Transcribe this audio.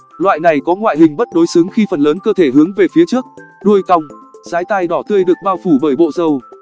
loại này có ngoại hình bất đối xứng khi phần lớn cơ thể hướng về phía trước đuôi cong dái tai đỏ tươi được bao phủ bởi bộ râu